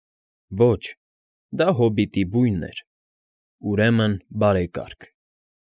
Ոչ, դա հոբիտի բույն էր, ուրեմն՝ բարեկարգ։